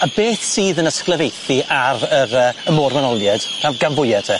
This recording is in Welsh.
A beth sydd yn ysglyfaethu ar yr yy y môr wenholiad na- gan fwya te?